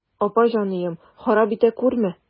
Апа җаныем, харап итә күрмә.